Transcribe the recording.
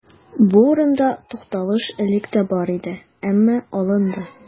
Бу урында тукталыш элек тә бар иде, әмма алынды.